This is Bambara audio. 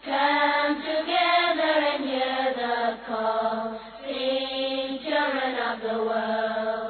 Santigɛ ja laban kɔ kelen ja laban wa